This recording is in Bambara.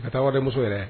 A taa de muso yɛrɛ